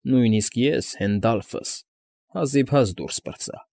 Նույնիսկ ես՝ Հենդալֆս, հազիվհազ դուրս պրծա։